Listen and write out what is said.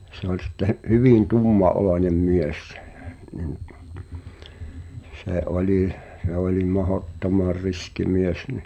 se oli sitten hyvin tummanoloinen mies siis niin se oli se oli mahdottoman riski mies niin